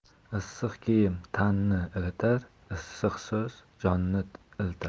issiq kiyim tanni ilitar issiq so'z jonni ilitar